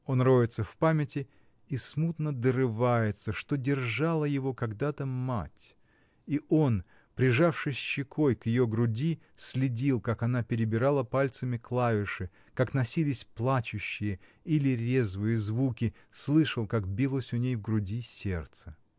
Он роется в памяти и смутно дорывается, что держала его когда-то мать, и он, прижавшись щекой к ее груди, следил, как она перебирала пальцами клавиши, как носились плачущие или резвые звуки, слышал, как билось у ней в груди сердце.